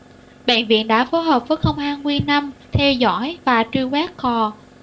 bệnh viện đã phối hợp với công an q năm theo dõi và truy quét cò